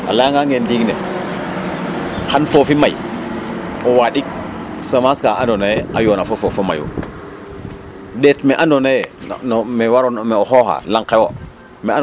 a layangang ee xan foofi may o waiɗik semence ka andoona yee a yoona fo foofi fo mayu ɗeet mee andoona yee no mais no me waroona mee o xooxaa xa qol axe wo'